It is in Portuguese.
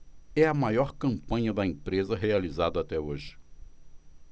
é a maior campanha da empresa realizada até hoje